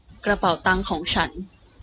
กระเป๋าตังของฉัน